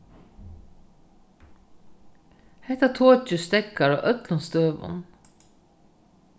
hetta tokið steðgar á øllum støðum